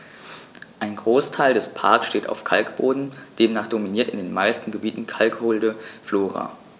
Ein Großteil des Parks steht auf Kalkboden, demnach dominiert in den meisten Gebieten kalkholde Flora.